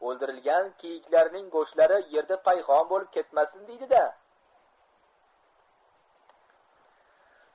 o'ldirilgan kiyiklarning go'shtlari yerda payhon bo'lib ketmasin deydi da